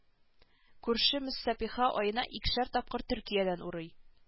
Күрше мөсәппиха аена икешәр тапкыр төркиядән урый